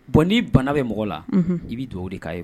Bɔn n'i bana bɛ mɔgɔ la i b bɛ dugawu o de'a ye